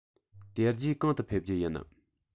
དེ རྗེས གང དུ ཕེབས རྒྱུ ཡིན